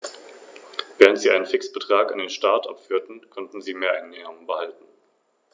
Das Fell der Igel ist meist in unauffälligen Braun- oder Grautönen gehalten.